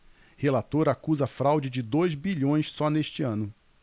relator acusa fraude de dois bilhões só neste ano